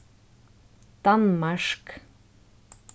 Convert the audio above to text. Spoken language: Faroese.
danmark